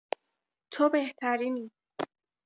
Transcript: تو بهترینی.